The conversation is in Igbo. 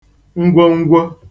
ngwongwo